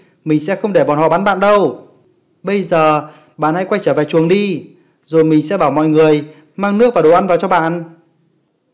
mình sẽ không để bọn họ bắn bạn đâu bây giờ bạn hãy quay trở về chuồng đi rồi mình sẽ bảo mọi người mang nước và đò ăn vào cho bạn